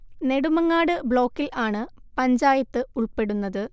നെടുമങ്ങാട് ബ്ലോക്കിൽ ആണ് പഞ്ചായത്ത് ഉൾപ്പെടുന്നത്